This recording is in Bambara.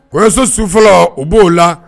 O yeso su fɔlɔ u b'o la